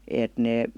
että ne